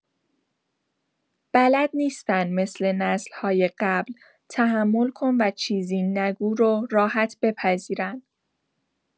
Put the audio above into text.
بلد نیستن مثل نسل‌های قبل «تحمل کن و چیزی نگو» رو راحت بپذیرن.